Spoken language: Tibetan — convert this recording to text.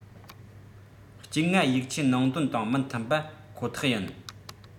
༡ ༥ ཡིག ཆའི ནང དོན དང མི མཐུན པ ཁོ ཐག ཡིན